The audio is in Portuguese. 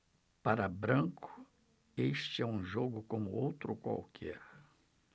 para branco este é um jogo como outro qualquer